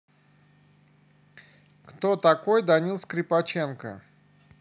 кто такой даниил скрипаченко